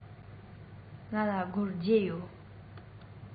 ང ལ སྒོར བརྒྱད ཡོད